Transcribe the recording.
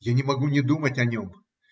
Я не могу не думать о нем.